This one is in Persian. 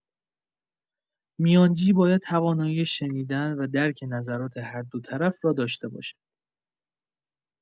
میانجی باید توانایی شنیدن و درک نظرات هر دو طرف را داشته باشد.